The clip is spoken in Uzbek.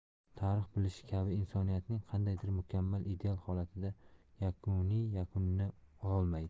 tarix bilish kabi insoniyatning qandaydir mukammal ideal holatida yakuniy yakunini ololmaydi